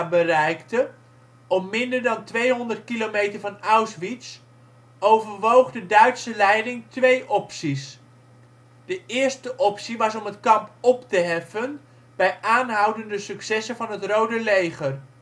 bereikte, op minder dan tweehonderd kilometer van Auschwitz, overwoog de Duitse leiding twee opties. De eerste optie was om het kamp op te heffen bij aanhoudende successen van het Rode Leger